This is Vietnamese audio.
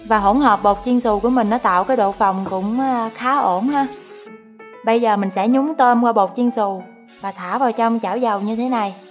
và hỗn hợp bột chiên xù của mình nó tạo cái độ phồng cũng khá ổn ha bây giờ mình sẽ nhúng tôm qua bột chiên xù và thả vào trong chảo dầu như thế này